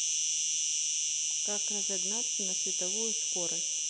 как разогнаться на световую скорость